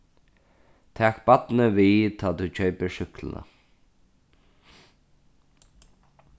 tak barnið við tá tú keypir súkkluna